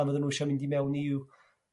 pan fydden nhw isio mynd i mewn i'w